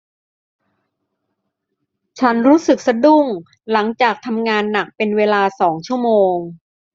ฉันรู้สึกสะดุ้งหลังจากทำงานหนักเป็นเวลาสองชั่วโมง